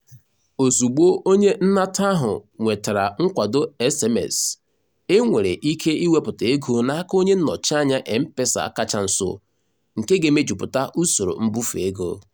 Ozugbo onye nnata ahụ nwetara nkwado SMS, e nwere ike iwepụta ego n'aka onye nnọchianya M-PESA kacha nso, nke ga-emejupụta usoro mbufe ego.